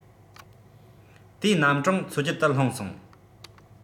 དེའི རྣམ གྲངས མཚོ རྒྱུད དུ ལྷུང སོང